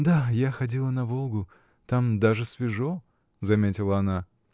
— Да, я ходила на Волгу: там даже свежо, — заметила она.